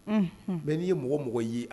Mɛ n'i ye mɔgɔ mɔgɔ ye